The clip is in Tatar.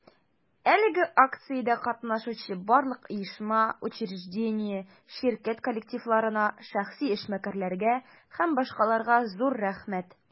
Әлеге акциядә катнашучы барлык оешма, учреждение, ширкәт коллективларына, шәхси эшмәкәрләргә һ.б. зур рәхмәт!